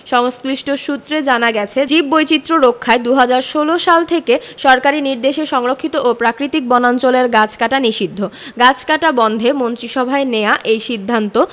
সংশ্লিষ্ট সূত্রে জানা গেছে জীববৈচিত্র্য রক্ষায় ২০১৬ সাল থেকে সরকারি নির্দেশে সংরক্ষিত ও প্রাকৃতিক বনাঞ্চলের গাছ কাটা নিষিদ্ধ গাছ কাটা বন্ধে মন্ত্রিসভায় নেয়া এই সিদ্ধান্ত